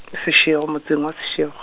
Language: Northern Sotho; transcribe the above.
Seshego motseng wa Seshego.